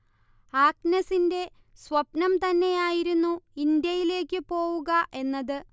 ആഗ്നസിന്റെ സ്വപ്നം തന്നെയായിരുന്നു ഇന്ത്യയിലേക്കു പോവുക എന്നത്